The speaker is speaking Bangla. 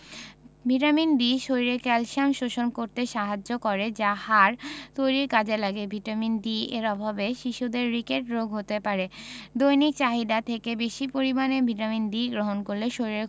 ভিটামিন D শরীরে ক্যালসিয়াম শোষণ করতে সাহায্য করে যা হাড় তৈরীর কাজে লাগে ভিটামিন D এর অভাবে শিশুদের রিকেট রোগ হতে পারে দৈনিক চাহিদা থেকে বেশী পরিমাণে ভিটামিন D গ্রহণ করলে শরীরের